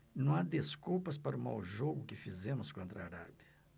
não há desculpas para o mau jogo que fizemos contra a arábia